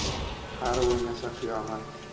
qari o'ynasa qiyomat